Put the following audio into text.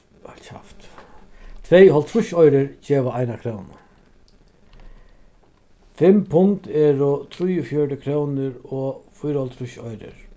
áh halt kjaft tvey hálvtrýssoyrur geva eina krónu fimm pund eru trýogfjøruti krónur og fýraoghálvtrýss oyrur